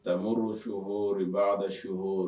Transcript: Da suɔ 'a da suɔ